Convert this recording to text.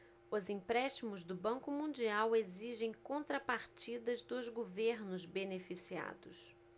os empréstimos do banco mundial exigem contrapartidas dos governos beneficiados